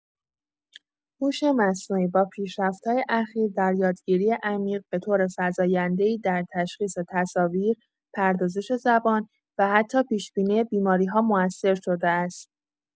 هوش مصنوعی با پیشرفت‌های اخیر در یادگیری عمیق، به‌طور فزاینده‌ای در تشخیص تصاویر، پردازش زبان و حتی پیش‌بینی بیماری‌ها موثر شده است.